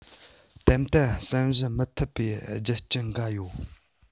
ཏན ཏན བསམ གཞིགས མི ཐུབ པའི རྒྱུ རྐྱེན འགའ ཡོད